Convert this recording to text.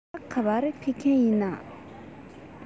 ད ག པར ཕེབས མཁན ཡིན ན